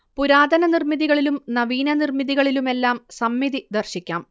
പുരാതന നിർമിതികളിലും നവീനനിർമിതികലീലുമെല്ലാം സമ്മിതി ദർശിക്കാം